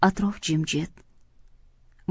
atrof jimjit